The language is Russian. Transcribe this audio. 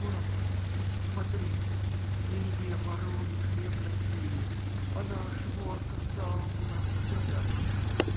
- Пана, смотри: Илье вороны хлеб носили, а наш Ворка сам у нас все тащит.